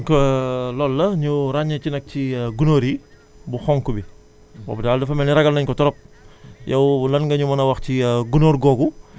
donc loolu la ñu ràññee ci nag ci gunóor yi bu xonk bi boobu daal dafa mel ni ragal nañ ko trop yow lan nga ñu mën a wax ci gunóor googu